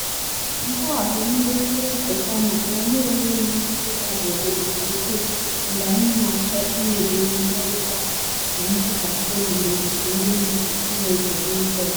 Nke a bụ nnukwu ncheta na anyị enweghị ike ịdabere na Bekee mgbe anyị na achọ ịmebe mmekọrịta na ntụkwasị obi n’etiti ndị mmadụ si na obodo ndị ọzọ.